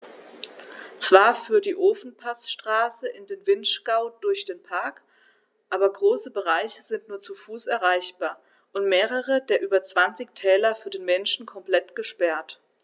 Zwar führt die Ofenpassstraße in den Vinschgau durch den Park, aber große Bereiche sind nur zu Fuß erreichbar und mehrere der über 20 Täler für den Menschen komplett gesperrt.